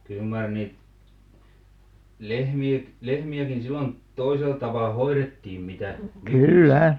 kyllä mar niitä lehmiä lehmiäkin silloin toisella tavalla hoidettiin mitä nykyisin